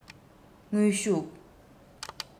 དངོས ཤུགས